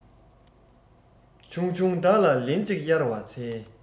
ཆུང ཆུང བདག ལ ལེན ཅིག གཡར བར འཚལ